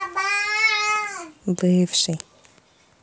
бывший